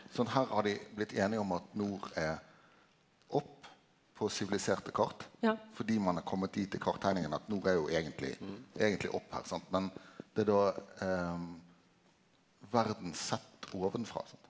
sånn her har dei blitt einige om at nord er opp på siviliserte kart fordi ein har komme dit i kartteikningane at nord er jo eigentleg eigentleg opp her sant, men det er då verda sett ovenfrå sant.